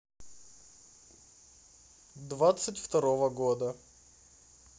двадцать второго года